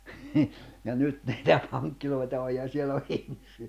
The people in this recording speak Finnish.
ja nyt niitä pankkeja on ja siellä on ihmisiä